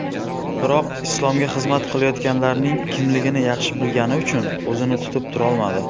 biroq islomga xizmat qilayotganlar ning kimligini yaxshi bilgani uchun o'zini tutib turolmadi